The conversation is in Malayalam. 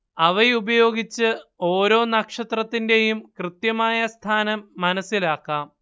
അവയുപയോഗിച്ച് ഒരോ നക്ഷത്രത്തിന്റെയും കൃത്യമായ സ്ഥാനം മനസ്സിലാക്കാം